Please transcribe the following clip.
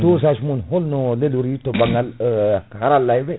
dosage mum holno lelori to banggal karallayɓe